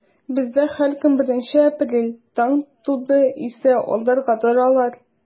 Бездә һәр көн беренче апрель, таң туды исә алдарга торалар.